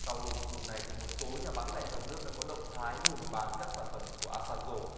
sau lùm xùm này thì một số nhà bán lẻ trong nước đã có động thái ngừng bán các sản phẩm của a san dô